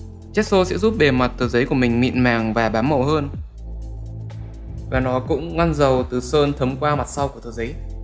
gesso sẽ giúp bề mặt của mình mịn màng và bám màu hơn gesso sẽ giúp bề mặt của mình mịn màng và bám màu hơn và nó cũng ngăn dầu từ sơn thấm qua mặt sau của tờ giấy